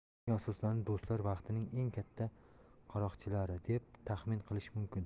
shunga asoslanib do'stlar vaqtning eng katta qaroqchilari deb taxmin qilish mumkin